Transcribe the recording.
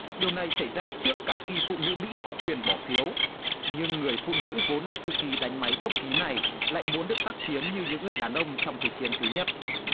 điều này xảy ra trước cả khi phụ nữ mỹ có quyền bỏ phiếu nhưng người phụ nữ vốn là thư ký đánh máy tốc ký này lại muốn được tác chiến như những người đàn ông trong thế chiến thứ nhất